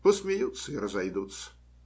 Посмеются и разойдутся.